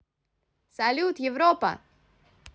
салют европа